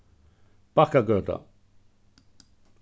bakkagøta